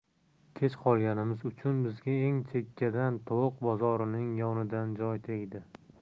kech qolganimiz uchun bizga eng chekkadan tovuq bozorining yonidan joy tegdi